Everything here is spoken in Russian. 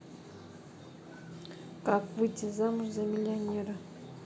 как выйти замуж за миллионера